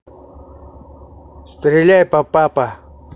стреляй папапа